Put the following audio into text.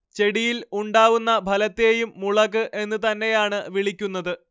ചെടിയിൽ ഉണ്ടാവുന്ന ഫലത്തേയും മുളക് എന്ന് തന്നെയാണ് വിളിക്കുന്നത്